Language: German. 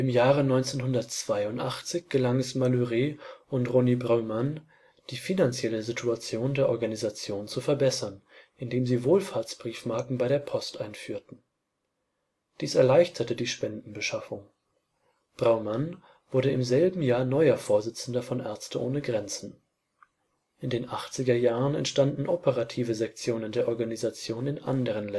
Jahre 1982 gelang es Malhuret und Rony Brauman, die finanzielle Situation der Organisation zu verbessern, indem sie Wohlfahrtsbriefmarken bei der Post einführten. Dies erleichterte die Spendenbeschaffung. Brauman wurde im selben Jahr neuer Vorsitzender von Ärzte ohne Grenzen. In den achtziger Jahren entstanden operative Sektionen der Organisation in anderen Ländern